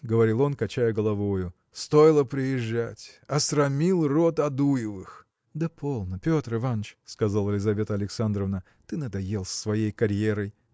– говорил он, качая головою, – стоило приезжать! осрамил род Адуевых! – Да полно Петр Иваныч – сказала Лизавета Александровна – ты надоел с своей карьерой.